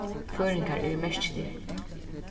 føroyingar eru merkiligir